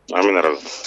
Anmina